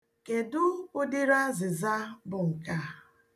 Kedụ ụdịrị azịza bụ nke a?